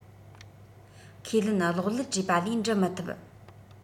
ཁས ལེན གློག ཀླད བྲིས པ ལས འབྲི མི ཐུབ